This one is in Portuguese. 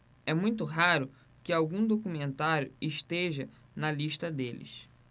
é muito raro que algum documentário esteja na lista deles